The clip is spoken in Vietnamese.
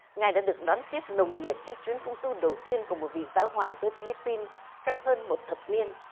ngài đã được đón tiếp nồng nhiệt trong chuyến công du đầu tiên của một vị giáo hoàng tới phi líp pin trong hơn một thập niên